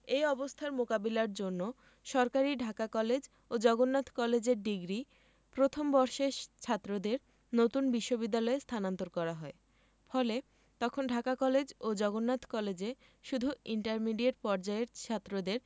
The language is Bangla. এ অবস্থার মোকাবেলার জন্য সরকারি ঢাকা কলেজ ও জগন্নাথ কলেজের ডিগ্রি প্রথম বর্ষের ছাত্রদের নতুন বিশ্ববিদ্যালয়ে স্থানান্তর করা হয় ফলে তখন ঢাকা কলেজ ও জগন্নাথ কলেজে শুধু ইন্টারমিডিয়েট পর্যায়ের ছাত্রদের